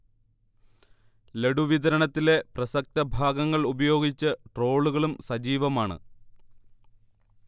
ലഡു വിതരണത്തിലെ പ്രസക്തഭാഗങ്ങൾ ഉപയോഗിച്ച് ട്രോളുകളും സജീവമാണ്